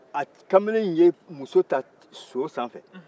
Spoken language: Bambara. a kamalen ye muso ta so sanfɛ